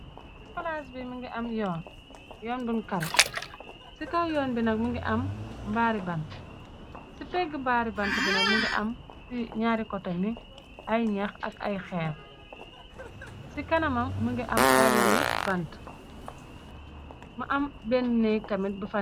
Palaas bi mungi am yoon, yoon buñ karoo, si kaw yoon bi nak mingi am mbaari bante, si pegg mbaari bante bi nak, mi ngi am ci ñaari kotem yi, ay ñax ak ay xeer, ci kanama mi ngi am ay lali bante, mu am benne neek tamit bu fa ne.